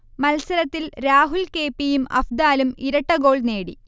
മത്സരത്തിൽ Rahul K. P. യും അഫ്ദാലും ഇരട്ടഗോൾ നേടി